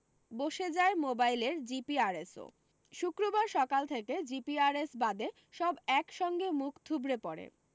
বসে যায় মোবাইলের জিপিআরেসও শুক্রবার সকাল থেকে জিপিআরেস বাদে সব একসঙ্গে মুখ থুবড়ে পড়ে